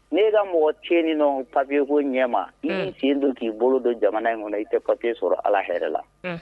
N'i e ka mɔgɔ tɛ yen nin nɔ papier ko ɲɛma; Un; n'i m'i sen don k'i bolo don jamana in kɔnɔ i tɛ papier sɔrɔ, Ala hɛrɛ la; Un.